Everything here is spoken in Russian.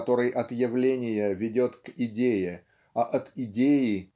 который от явления ведет к идее а от идеи